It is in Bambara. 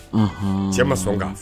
Cɛ ma sɔn kan